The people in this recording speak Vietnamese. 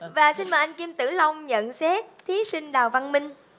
và xin mời anh kim tử long nhận xét thí sinh đào văn minh